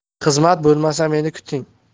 xizmat bo'lmasa meni kuting